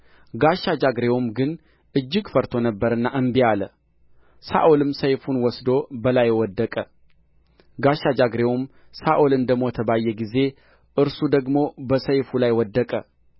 ጋሻ ጃግሬው ግን እጅግ ፈርቶ ነበርና እንቢ አለ ሳኦልም ሰይፉን ወስዶ በላዩ ወደቀ ጋሻ ጃግሬውም ሳኦል እንደ ሞተ ባየ ጊዜ እርሱ ደግሞ በሰይፉ ላይ ወደቀ